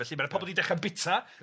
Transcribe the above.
A felly, ma'r pobol 'di dechra bita.